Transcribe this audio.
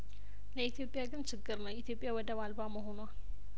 ለኢትዮጵያ ግን ችግር ነው ኢትዮጵያ ወደብ አልባ መሆኗ